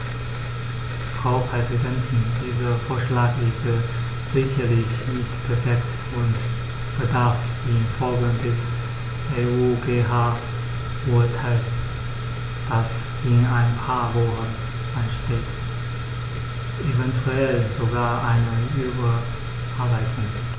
Frau Präsidentin, dieser Vorschlag ist sicherlich nicht perfekt und bedarf in Folge des EuGH-Urteils, das in ein paar Wochen ansteht, eventuell sogar einer Überarbeitung.